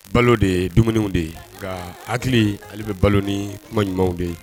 Balo de ye dumuniw de ye, nka hakili ale bɛ balo ni kuma ɲumanw de ye.